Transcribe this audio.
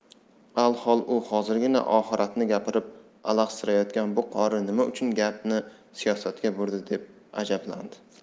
alhol u hozirgina oxiratni gapirib alahsirayotgan bu qori nima uchun gapni siyosatga burdi deb ajablandi